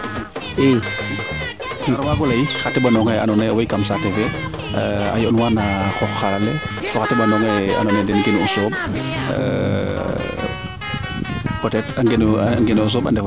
xar waago leyit xa teɓanongxe ando naye owey kam saate fe a yond nuwa no qooq xaala le to xa teɓanonga xe ando naye andoi naye den kene sooɓ